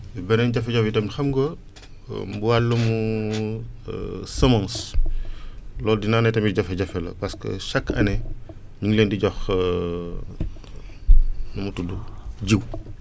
beneen jafe-jafe tam xam nga wàllum semence loolu dinaa ne tamit jafe-jafe la parce que chaque année ñu ngi leen di jox nu mu tudd jiw